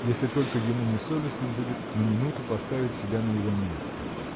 если только ему не совестно будет на минуту поставить себя на его место.